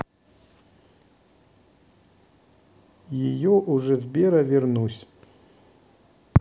ее уже сбера вернусь